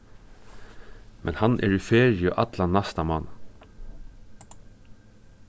men hann er í feriu allan næsta mánað